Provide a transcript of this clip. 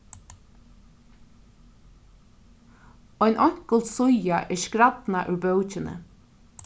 ein einkult síða er skrædnað úr bókini